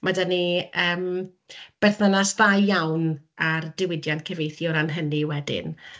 ma' 'da ni yym berthynas dda iawn â'r diwydiant cyfieithu o ran hynny wedyn.